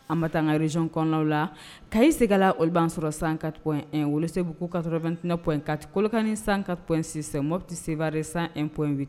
Anba taaga rez kɔnɔnaw la ka i seginla olu b'an sɔrɔ san kato inolo se' kasɔrɔ2tinap in ka kɔlɔkani sanka in sisan mo tɛ sebaare san inp inp